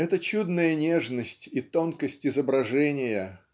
Эта чудная нежность и тонкость изображения